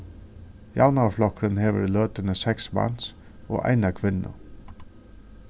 javnaðarflokkurin hevur í løtuni seks mans og eina kvinnu